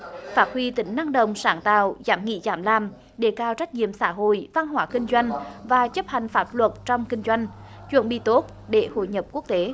phát huy tính năng động sáng tạo dám nghĩ dám làm đề cao trách nhiệm xã hội văn hóa kinh doanh và chấp hành pháp luật trong kinh doanh chuẩn bị tốt để hội nhập quốc tế